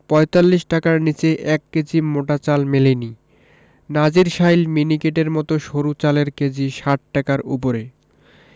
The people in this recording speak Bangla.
৪৫ টাকার নিচে ১ কেজি মোটা চাল মেলেনি নাজিরশাইল মিনিকেটের মতো সরু চালের কেজি ৬০ টাকার ওপরে